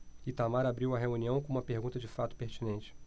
itamar abriu a reunião com uma pergunta de fato pertinente